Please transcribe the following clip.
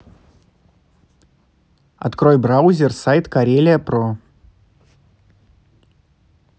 открой браузер сайт карелия про